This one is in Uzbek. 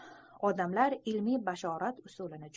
kishilar ilmiy bashorat usulini